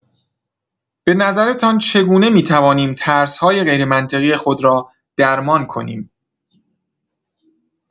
به نظرتان چگونه می‌توانیم ترس‌های غیرمنطقی خود را درمان کنیم؟